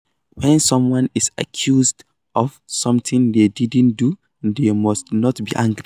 When someone is accused of something they didn't do, they must not be angry.